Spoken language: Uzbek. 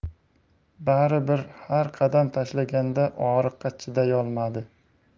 bari bir har qadam tashlaganda og'riqqa chidayolmaydi